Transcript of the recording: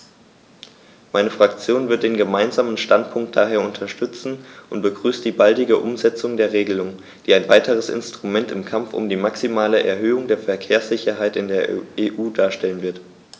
Meine Fraktion wird den Gemeinsamen Standpunkt daher unterstützen und begrüßt die baldige Umsetzung der Regelung, die ein weiteres Instrument im Kampf um die maximale Erhöhung der Verkehrssicherheit in der EU darstellen wird.